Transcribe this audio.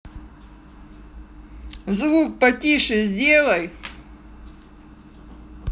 звук потише сделай